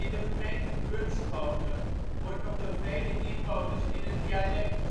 de gemeente Bunschoten wordt nog door vele inwoners in het dialect